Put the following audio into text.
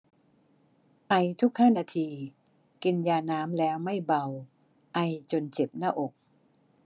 ไอทุกห้านาทีกินยาน้ำแล้วไม่เบาไอจนเจ็บหน้าอก